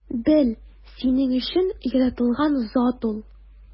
Бел: синең өчен яратылган зат ул!